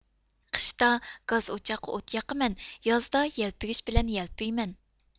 قىشتا گاز ئوچاققا ئوت ياقىمەن يازدا يەلپۈگۈچ بىلەن يەلپۈيمەن